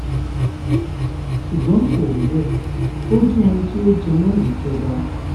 Ṣúgbọ́n kò rí bẹ́ẹ̀, ó jẹ́ ohun tí ó jẹ́mọ́ ìjọba.